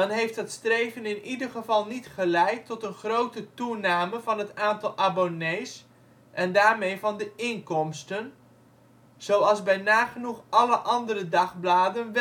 heeft dat streven in ieder geval niet geleid tot een grote toename van het aantal abonnees en daarmee van de inkomsten, zoals bij nagenoeg alle andere dagbladen